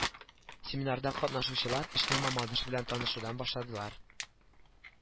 Семинарда катнашучылар эшне мамадыш белән танышудан башладылар